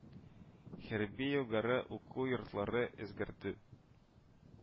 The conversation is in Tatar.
Хәрби югары уку йортлары үзгәртү